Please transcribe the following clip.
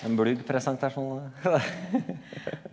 ein blyg presentasjon det .